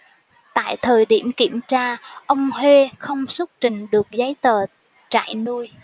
tại thời điểm kiểm tra ông huê không xuất trình được giấy tờ trại nuôi